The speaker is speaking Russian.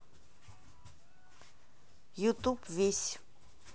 ютуб весь